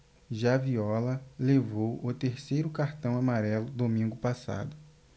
já viola levou o terceiro cartão amarelo domingo passado